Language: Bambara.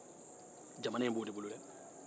jamana in b'o de bolo dɛ